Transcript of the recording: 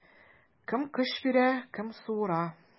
Кем көч бирә, кем суыра.